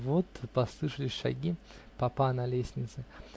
Вот послышались шаги папа на лестнице